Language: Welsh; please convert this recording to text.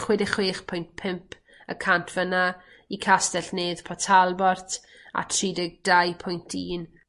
Chwe deg chwech pwynt pump y cant fyn 'na i Castell Nedd Port Talbot at tri deg dau pwynt un